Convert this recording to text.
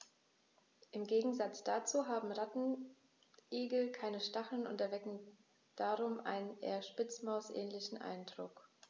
Im Gegensatz dazu haben Rattenigel keine Stacheln und erwecken darum einen eher Spitzmaus-ähnlichen Eindruck.